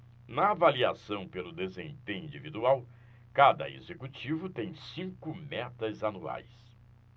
na avaliação pelo desempenho individual cada executivo tem cinco metas anuais